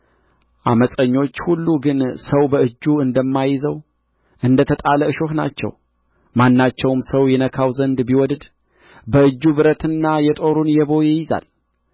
ዓመፀኞች ሁሉ ግን ሰው በእጁ እንደማይዘው እንደ ተጣለ እሾህ ናቸው ማናቸውም ሰው ይነካው ዘንድ ቢወደድ በእጁ ብረትና የጦሩን የቦ ይይዛል